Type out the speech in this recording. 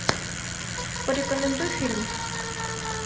порекомендуй фильм